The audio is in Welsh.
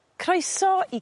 Croeso i...